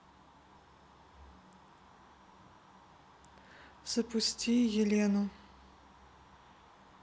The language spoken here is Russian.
запусти елену